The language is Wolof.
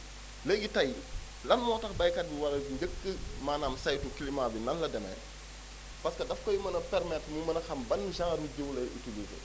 léegi tey lan moo tax baykat bi war a njëkk a maanaam saytu climat bi nan la demee parce que dafa koy mën a permettre mu mën a xam ban genre ru jiw lay utilisé